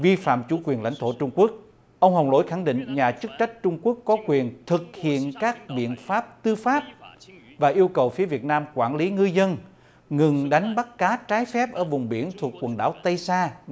vi phạm chủ quyền lãnh thổ trung quốc ông hồng lỗi khẳng định nhà chức trách trung quốc có quyền thực hiện các biện pháp tư pháp và yêu cầu phía việt nam quản lý ngư dân ngừng đánh bắt cá trái phép ở vùng biển thuộc quần đảo tây sa